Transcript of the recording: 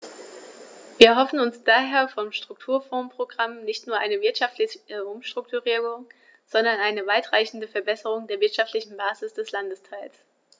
Wir erhoffen uns daher vom Strukturfondsprogramm nicht nur eine wirtschaftliche Umstrukturierung, sondern eine weitreichendere Verbesserung der wirtschaftlichen Basis des Landesteils.